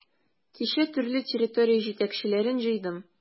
Кичә төрле территория җитәкчеләрен җыйдым.